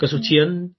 'C'os wt ti yn